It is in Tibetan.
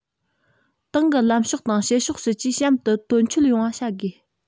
ཏང གི ལམ ཕྱོགས དང བྱེད ཕྱོགས སྲིད ཇུས གཤམ དུ དོན འཁྱོལ ཡོང བ བྱ དགོས